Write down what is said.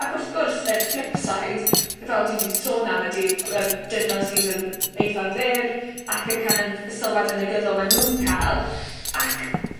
Ac wrth gwrs, yr flipside, fel dwi 'di sôn am ydi yym dynion sydd yn eitha fyr, ac y kind of y sylwade negyddol ma' nw'n ca'l, ac